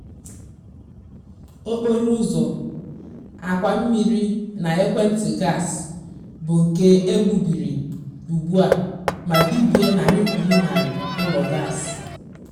Okporo ụzọ, àkwà mmiri na ekwenti gasị bụ nke e gbubiri ugbu a ma bibie narị kwuru narị ụlọ gasị.